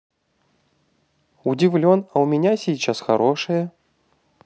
удивлен а у меня сейчас хорошее